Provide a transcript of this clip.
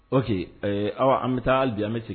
Parce que aw an bɛ taa dimɛ sigi